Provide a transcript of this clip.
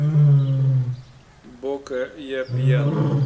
бока я пьян